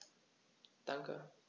Danke.